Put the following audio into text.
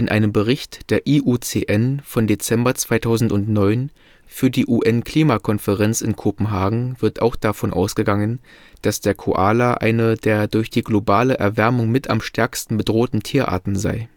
einem Bericht der IUCN von Dezember 2009 für die UN-Klimakonferenz in Kopenhagen wird auch davon ausgegangen, dass der Koala eine der durch die globale Erwärmung mit am stärksten bedrohten Tierarten sei